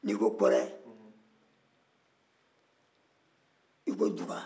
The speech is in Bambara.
n'i ko kɔrɛ i ko duga